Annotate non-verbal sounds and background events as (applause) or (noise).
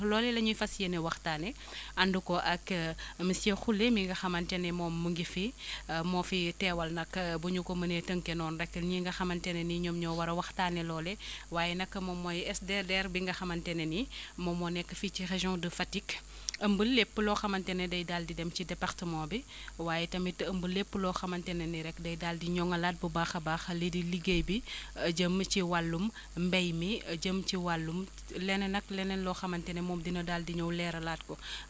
loolee la ñuy fas yéene waxtaanee (breath) ànd ko ak monsieur Khoule mi nga xamante ni moom mu ngi fii moo fi teewal nag bu ñu ko mënee tënkee noonu rek ñii nga xamante ne ni ñoom ñoo war a waxtaanee loole (breath) waaye nag moom mooy SDRDR bi nga xamante ne ni (breath) moom moo nekk fii ci région de Fatick ëmb lépp loo xamante ni day daal di dem ci département bi waaye tamit ëmb lépp loo xamante ne ni rek day daal di ñoŋalaat bu baax a baax lii di liggéey bi (breath) jëm ci wàllum mbéy mi jëm ci wàllum leneen ak leneen loo xamante ni moom dina daal di ñëw leeralaat ko (breath)